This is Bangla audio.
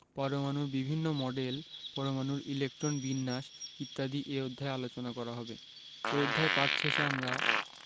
পরমাণুর বিভিন্ন মডেল পরমাণুর ইলেকট্রন বিন্যাস ইত্যাদি এ অধ্যায়ে আলোচনা করা হবে এ অধ্যায় পাঠ শেষে আমরা